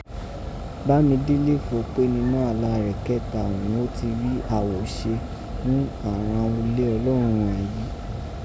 Bámidélé fọ ọ́ pé nínọ́ àláa rẹ̀ kẹ́ta òghun ó ti rí àghòse ghún àghan ulé Ọlọ́rọn ghànyí rin.